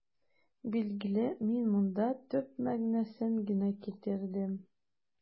Билгеле, мин монда төп мәгънәсен генә китердем.